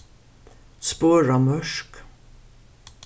sporamørk